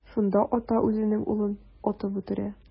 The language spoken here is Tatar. Шунда ата үзенең улын атып үтерә.